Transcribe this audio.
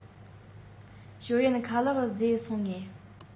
ཞའོ གཡན ཁ ལག བཟས སོང ངས